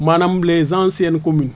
maanaam les anciennes communes